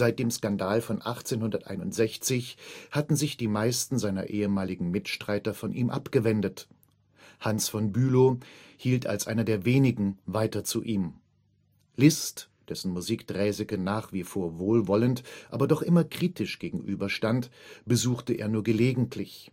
dem Skandal von 1861 hatten sich die meisten seiner ehemaligen Mitstreiter vom ihm abgewendet; Hans von Bülow hielt als einer der wenigen weiter zu ihm. Liszt, dessen Musik Draeseke nach wie vor wohlwollend, aber doch immer kritischer gegenüberstand, besuchte er nur gelegentlich